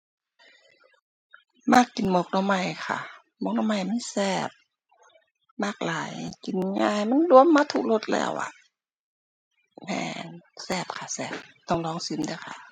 มักกินหมกหน่อไม้ค่ะ หมกหน่อไม้มันแซ่บ มักหลายกินง่าย มันรวมหมดทุกรสแล้วอะ แม่น แซ่บค่ะแซ่บ ต้องลองหมดเด้อค่ะ